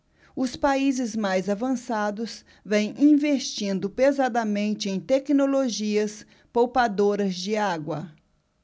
os países mais avançados vêm investindo pesadamente em tecnologias poupadoras de água